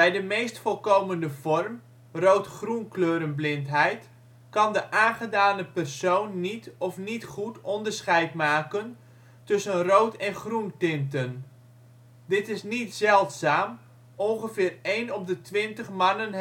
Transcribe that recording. de meest voorkomende vorm, rood-groen kleurenblindheid, kan de aangedane persoon niet of niet goed onderscheid maken tussen rood - en groentinten. Dit is niet zeldzaam: ongeveer één op de twintig mannen